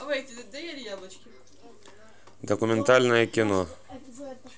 документальное кино